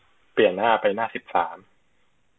เปลี่ยนหน้าไปหน้าสิบสาม